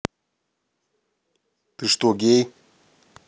ты что гей